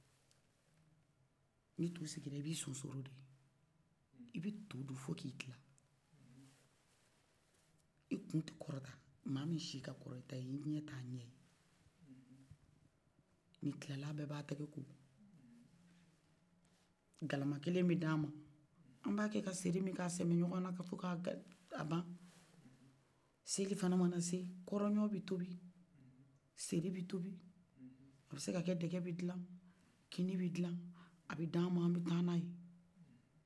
n'i kilala a bɛ b'a tigɛ ko galama kelen bɛ d'a man a b'a kɛ ka seri min k'a sɛmɛ ɲɔgɔna k'a ban selifana mana se kɔrɔɲɔn be tɔbi seri bɛ tobi a bɛ se ka dɛgɛ yɛrɛ kilan kini bɛ kilan a bɛ d'anman a bɛ taganaye